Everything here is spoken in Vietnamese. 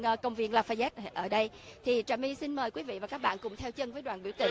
ơ công viên la pha rét ở đây thì trà mi xin mời quý vị và các bạn cùng theo chân đoàn biểu tình